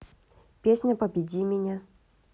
песня победи меня